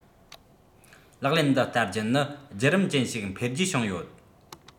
ལག ལེན དུ བསྟར རྒྱུ ནི རྒྱུད རིམ ཅན ཞིག འཕེལ རྒྱས བྱུང ཡོད